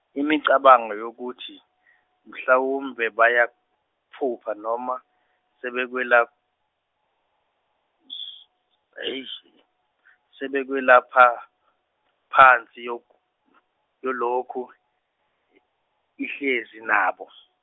imicabango yokuthi, mhlawumbe bayaphupha noma, sebekwela- sebekwelaba pha- phansi, yo- yolokhu, i- ihlezi nabo.